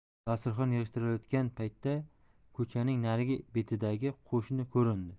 dasturxon yig'ishtirilayotgan paytda ko'chaning narigi betidagi qo'shni ko'rindi